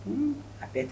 A bɛɛ